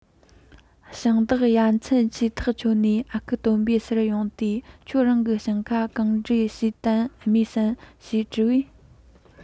ཞིང བདག ཡ མཚན ཆེ ཐག ཆོད ནས ཨ ཁུ སྟོན པའི སར ཡོང སྟེ ཁྱེད རང གི ཞིང ཁ གང འདྲ བྱས དན རྨོས སམ ཞེས དྲིས པས